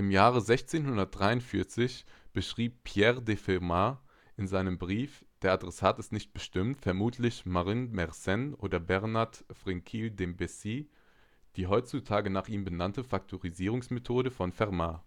Jahre 1643 beschrieb Pierre de Fermat in einem Brief (der Adressat ist nicht bekannt, vermutlich Marin Mersenne oder Bernard Frénicle de Bessy) die heutzutage nach ihm benannte Faktorisierungsmethode von Fermat